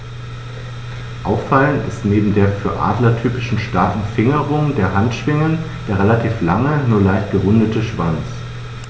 Auffallend ist neben der für Adler typischen starken Fingerung der Handschwingen der relativ lange, nur leicht gerundete Schwanz.